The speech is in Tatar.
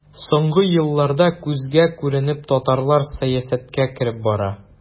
Соңгы елларда күзгә күренеп татарлар сәясәткә кереп бара.